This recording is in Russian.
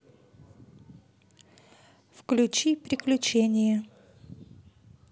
включи приключения